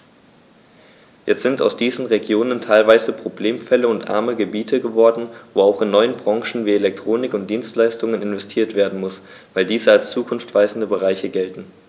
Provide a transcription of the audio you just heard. Jetzt sind aus diesen Regionen teilweise Problemfälle und arme Gebiete geworden, wo auch in neue Branchen wie Elektronik und Dienstleistungen investiert werden muss, weil diese als zukunftsweisende Bereiche gelten.